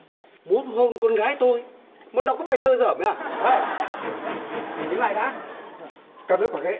muốn hôn con gái tôi mà đọc cái bài thơ dởm ấy à ây đứng lại đã cầm lấy quả khế